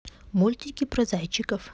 мультики про зайчиков